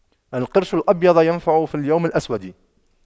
القرش الأبيض ينفع في اليوم الأسود